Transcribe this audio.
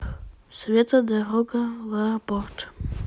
света дорога в аэропорт